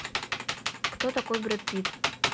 кто такой брэд питт